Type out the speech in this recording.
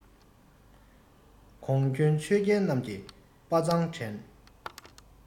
གོང བྱོན ཆོས རྒྱལ རྣམས ཀྱིས དཔའ མཛངས དྲན